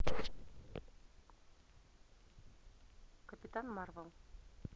капитан марвел